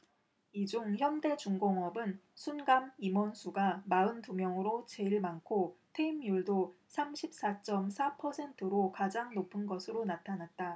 이 중 현대중공업은 순감 임원수가 마흔 두 명으로 제일 많고 퇴임률도 삼십 사 쩜 사 퍼센트로 가장 높은 것으로 나타났다